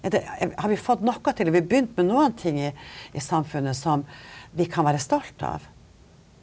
er det har vi fått noe til har vi begynt med noen ting i i samfunnet som vi kan være stolte av?